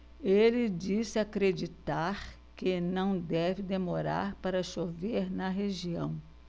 ele disse acreditar que não deve demorar para chover na região